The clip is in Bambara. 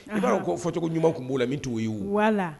I b'a fɔ cogo ɲumanumaw tun b' la min t' u y'u